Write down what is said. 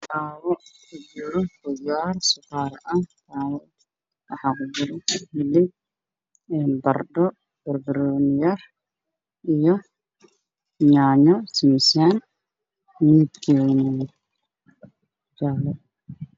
Waa saxan midow ah waxaa ku jira barando buskutri kulaato hilib midow ah